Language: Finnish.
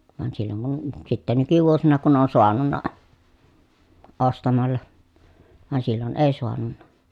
vaan silloin kun sitten nykyvuosina kun on saanut ostamalla vaan silloin ei saanut